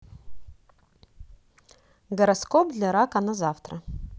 гороскоп для рака на завтра